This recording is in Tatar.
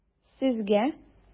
Сезгә?